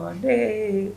Nse